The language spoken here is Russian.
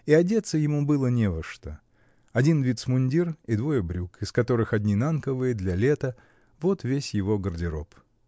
И одеться ему было не во что: один вицмундир и двое брюк, из которых одни нанковые для лета, — вот весь его гардероб.